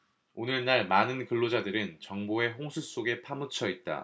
오늘날 많은 근로자들은 정보의 홍수 속에 파묻혀 있다